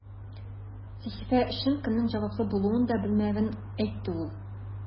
Сәхифә өчен кемнең җаваплы булуын да белмәвен әйтте ул.